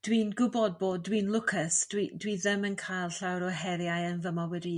dwi'n gw'bod bod dwi'n lwcus dwi dwi ddim yn ca'l llawer o heriau yn fy mywyd i